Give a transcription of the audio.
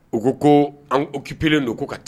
U ko kopi kelenlen don ko ka taa